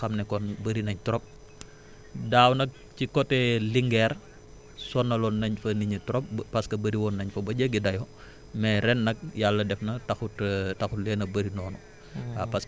waaw nga xam ne kon bëri nañ trop daaw nag ci côté Linguère sonaloon nañ fa nit ñi trop ba parce que bëri woon nañ fa ba jéggi dayoo mais ren nag yàlla def na taxut taxu leen a bëri noonu